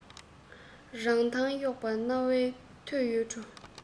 ར ཐང གཡོགས པ རྣ བས ཐོས ཡོད འགྲོ